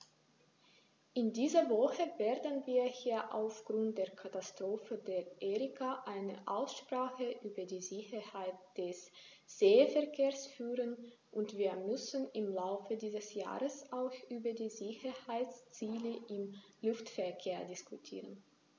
In dieser Woche werden wir hier aufgrund der Katastrophe der Erika eine Aussprache über die Sicherheit des Seeverkehrs führen, und wir müssen im Laufe dieses Jahres auch über die Sicherheitsziele im Luftverkehr diskutieren.